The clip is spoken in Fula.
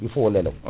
il faut o leelo